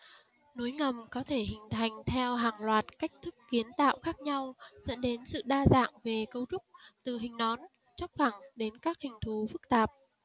núi ngầm có thể hình thành theo hàng loạt cách thức kiến tạo khác nhau dẫn đến sự đa dạng về cấu trúc từ hình nón chóp phẳng đến các hình thù phức tạp